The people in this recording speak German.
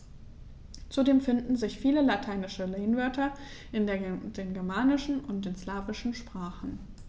Zudem finden sich viele lateinische Lehnwörter in den germanischen und den slawischen Sprachen.